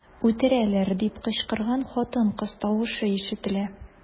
"үтерәләр” дип кычкырган хатын-кыз тавышы ишетелә.